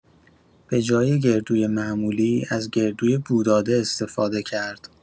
به‌جای گردوی معمولی، از گردوی بو داده استفاده کرد.